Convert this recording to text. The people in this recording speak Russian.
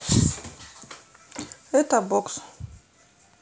это бокс